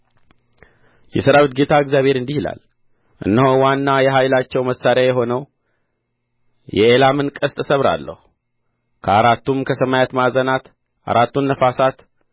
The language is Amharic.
የሠራዊት ጌታ እግዚአብሔር እንዲህ ይላል እነሆ ዋና የኃይላቸው መሣሪያ የሆነውን የኤላምን ቀስት እሰብራለሁ ከአራቱም ከሰማይ ማዕዘናት አራቱን ነፋሳት